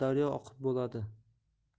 daryo oqib bo'ladi